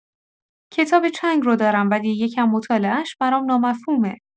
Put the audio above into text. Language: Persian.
کتاب چنگ رو دارم ولی یکم مطالعش برام نا مفهومه